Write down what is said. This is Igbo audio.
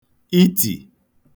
itì